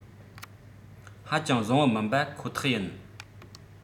ཧ ཅང བཟང བོ མིན པ ཁོ ཐག ཡིན